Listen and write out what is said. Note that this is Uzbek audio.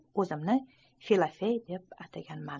o'zimni filofey deb ataganman